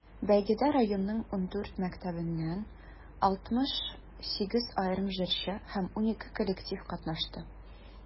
Бәйгедә районның 14 мәктәбеннән 68 аерым җырчы һәм 12 коллектив катнашты.